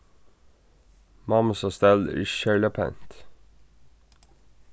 mammusa stell er ikki serliga pent